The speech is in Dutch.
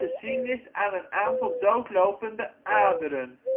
zien is aan een aantal doodlopende aderen